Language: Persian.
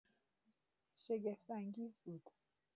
شگفت‌انگیز بود.